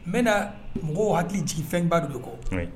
N bɛ na mɔgɔw hakili jigin fɛnba dɔ kɔ, wayi.